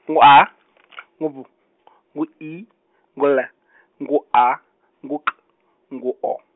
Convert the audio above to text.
ngu A , ngu B , ngu I, ngu L, ngu A, ngu K, ngu O.